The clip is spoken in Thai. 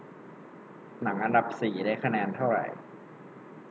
หนังอันดับสี่ได้คะแนนเท่าไหร่